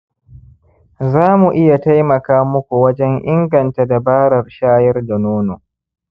za mu iya taimaka muku wajen inganta dabarar shayar da nono